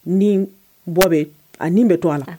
Ni bɔ bɛ a nin bɛ to a la